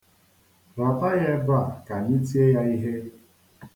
Rata ya ebe a ka anyị tie ya ihe.